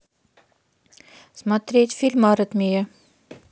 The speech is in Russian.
смотреть фильм аритмия